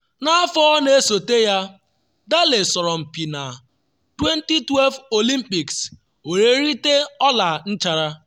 N’afọ na-esote ya, Daley sọrọ mpi na 2012 Olympics were rite ọla nchara.